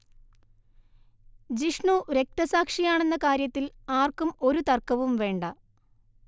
ജിഷ്ണു രക്തസാക്ഷിയാണെന്ന കാര്യത്തിൽ ആർക്കും ഒരു തർക്കവും വേണ്ട